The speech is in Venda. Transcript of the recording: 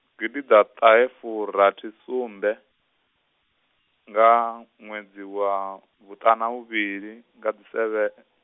gidiḓaṱahefurathisumbe, nga ṅwedzi wa, vhuṱana vhuvhili nga dzi seve- e-.